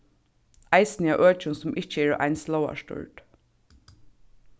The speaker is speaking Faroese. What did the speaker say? eisini á økjum sum ikki eru eins lógarstýrd